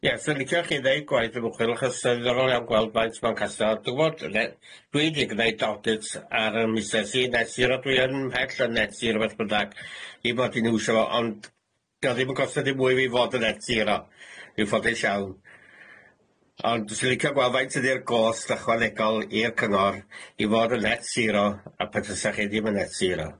Ia 'swn i'n licio chi neud gwaith ymchwil achos sa'n ddiddorol iawn gweld faint ma'n coso, dwi'n gwbod ne- dwi di gneud job bits ar 'y musnes i net siro dwi yn mhell yn net siro beth bynnag i fod yn iwcho fo ond dio ddim yn costio dim mwy i fi fod yn net siro dwi'n ffodus iawn ond 'swn i'n licio gweld faint ydi'r gôst ychwanegol i'r cyngor i fod yn net siro a pe tasech chi ddim yn net siro